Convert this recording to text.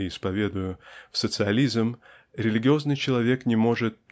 и исповедую") в социализм религиозный человек не может